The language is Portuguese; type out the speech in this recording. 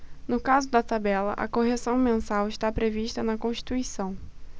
no caso da tabela a correção mensal está prevista na constituição